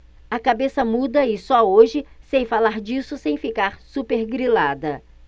a cabeça muda e só hoje sei falar disso sem ficar supergrilada